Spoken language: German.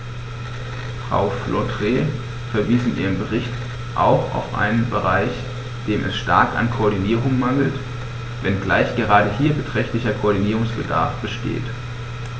Frau Flautre verwies in ihrem Bericht auch auf einen Bereich, dem es stark an Koordinierung mangelt, wenngleich gerade hier beträchtlicher Koordinierungsbedarf besteht.